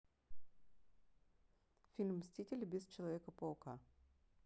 фильм мстители без человека паука